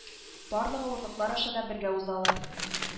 Барлык авырлыклар аша да бергә уза алар